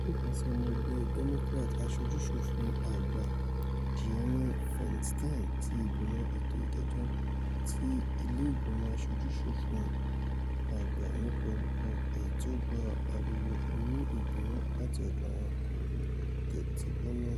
Ó tọ́kasí ọmọ ẹgbẹ́ Democrats Àsojú-ṣòfin Àgbà Dianne Feinstein ti Ìgbìmọ̀ Ètò Ìdájọ́ ti Ilé Ìgbìmọ̀ Aṣojú-ṣòfin Àgbà nípa orúkọ, èyití o gba ariwo oní-ìbínú láti ọdọ́ àwọn olùtẹ́tígbọ náà.